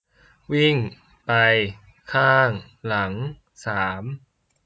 วิ่งไปข้างหลังสาม